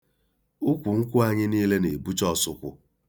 Ukwu nkwu anyị niile na-ebucha ọsụkwụ.